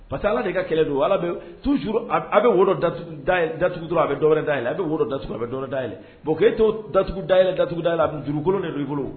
Parce que Ala de ka kɛlɛ don, Ala bɛ toujours a' bɛ wo dɔ datugu dɔrɔn a bɛ dɔwɛrɛ da yɛlɛ la a bɛ wo dɔ datugu a bɛ dɔnwɛrɛ dayɛlɛ bon k' e to datugu dayɛlɛ datugu dayɛlɛ la a bɛ jurukolon de b'i bolo